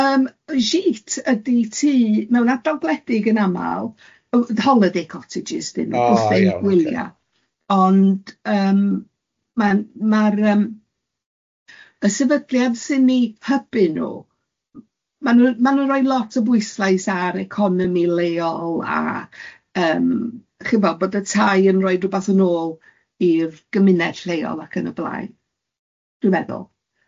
Yym jeet ydy tŷ mewn adran gwledig yn amal, holiday cottages dy nhw... O ie. ...bwthyn gwylia, ond yym ma'n ma'r yym, y sefydliad sy'n eu hybu nhw, mae'n nhw ma nhw'n rhoi lot o bwyslais ar economi leol a yym chi'bo bod y tai yn rhoi rwbeth yn ôl i'r gymunedd lleol ac yn y blaen, dwi'n meddwl. Ia.